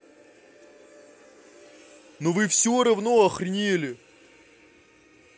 ну вы все равно охренели